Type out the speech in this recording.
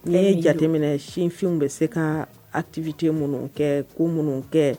N' ye jateminɛ sinfinw bɛ se ka atibite minnu kɛ ko minnu kɛ